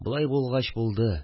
Болай булгач булды